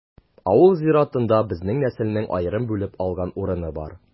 Авыл зиратында безнең нәселнең аерым бүлеп алган урыны бар.